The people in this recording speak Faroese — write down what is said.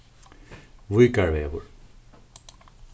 víkarvegur